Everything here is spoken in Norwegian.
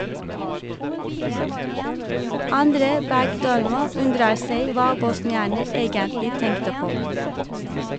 André Bergdølmo undrer seg hva bosnierne egentlig tenkte på.